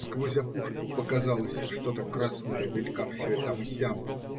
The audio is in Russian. Сквозь опушку показалось что-то красное, мелькавшее там и сям.